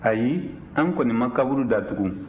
ayi an kɔni ma kaburu datugu